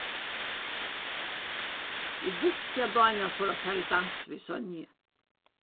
eg visti at dánjal fór at fara í dans við sonju